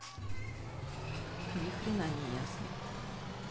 нихрена не ясно